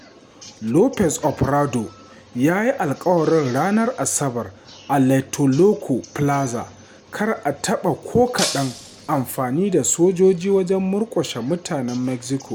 Lopez Obrador ya yi alkawari ranar Asabar a Tlatelolco Plaza “kar a taɓa ko kaɗan amfani da sojoji wajen murƙushe mutanen Mexico.”